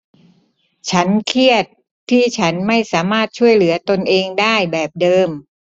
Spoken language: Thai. ฉันเครียดที่ฉันไม่สามารถช่วยเหลือตนเองได้แบบเดิม